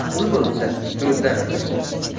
adashmas aql bo'lsa so'zdan